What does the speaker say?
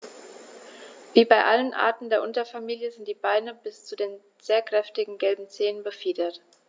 Wie bei allen Arten der Unterfamilie sind die Beine bis zu den sehr kräftigen gelben Zehen befiedert.